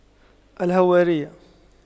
الهوارية